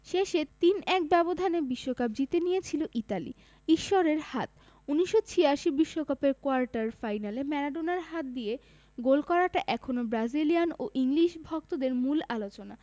শেষে ৩ ১ ব্যবধানে বিশ্বকাপ জিতে নিয়েছিল ইতালি ঈশ্বরের হাত ১৯৮৬ বিশ্বকাপের কোয়ার্টার ফাইনালে ম্যারাডোনার হাত দিয়ে গোল করাটা এখনো ব্রাজিলিয়ান ও ইংলিশ ভক্তদের মূল আলোচনা